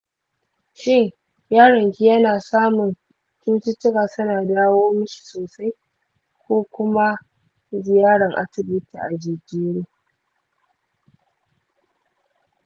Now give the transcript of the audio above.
shin yaron ki yana samun cututtuka suna dawo mishi sosai ko kuma ziyaran asibiti a jejjere?